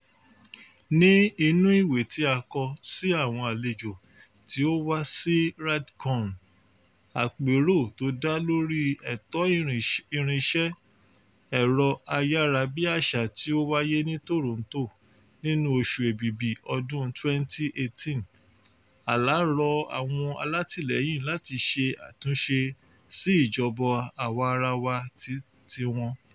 Ní inú ìwé tí a kọ sí àwọn àlejò tí ó wá sí RightsCon, àpérò tó dá lórí ẹ̀tọ́ irinṣẹ́ ẹ̀rọ-ayárabíaṣá tí ó wáyé ní Toronto nínú oṣù Èbìbì ọdún 2018, Alaa rọ àwọn alátìlẹ́yìn láti “ṣe àtúnṣe sí ìjọba àwa-arawa ti wọn”.